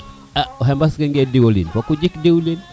a o xemes kange diwliin foko jikik diwlin